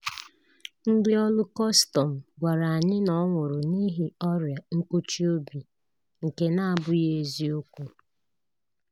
Ndị ọrụ kọstọmụ gwara anyị na ọ nwụrụ n'ihi ọrịa nkụchi obi, nke na-abụghị eziokwu.